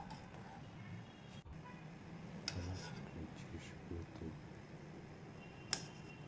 раз включишь ютуб